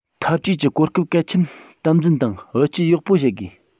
འཐབ ཇུས ཀྱི གོ སྐབས གལ ཆེན དམ འཛིན དང བེད སྤྱོད ཡག པོ བྱེད དགོས